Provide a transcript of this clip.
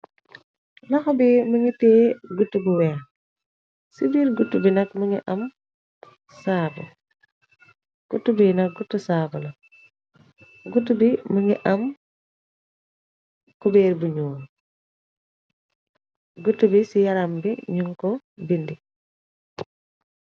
Lax bi më ngi tee guut bu ween ci biir gut bi nak më ngi am saab gut bi nak gutu saab la gut bi më ngi am kubéer bu ñoo gutt bi ci yaram bi ñun ko bind.